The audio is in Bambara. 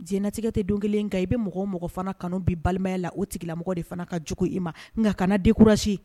Diɲɛnatigɛ te don 1 ye nka i be mɔgɔ o mɔgɔ fana kanu bi balimaya la o tigilamɔgɔ de fana ka jugu i ma nka kana découragé